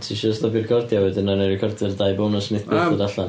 Ti isio stopio recordio wedyn a wnawn ni recordio'r dau bonws wneith byth dod allan?